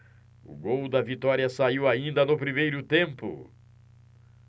o gol da vitória saiu ainda no primeiro tempo